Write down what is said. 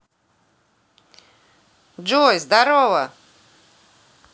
джой здорово